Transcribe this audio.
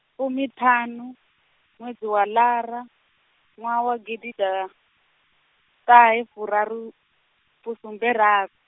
fumiṱhanu, ṅwedzi wa lara, ṅwaha wa gidiḓaṱahefuraru, fusumberaru.